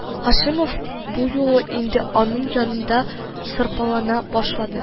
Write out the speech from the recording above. Һашимов бу юлы инде аның янында сырпалана башлады